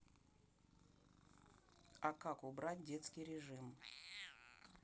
а как убрать детский режим